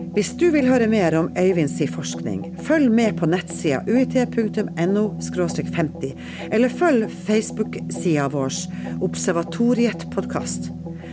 hvis du vil høre mer om Øyvind sin forskning, følg med på nettsida UiT punktum N O skråstrek femti, eller følg Facebook-sida vår Observatoriet podkast!